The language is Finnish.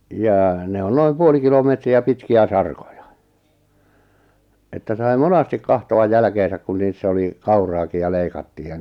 jaa ne on noin puoli kilometriä pitkiä sarkoja että sai monesti katsoa jälkeensä kun niissä oli kauraakin ja leikattiin ja